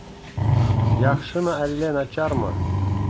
Яхшымы әллә начармы?